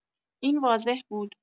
این واضح بود.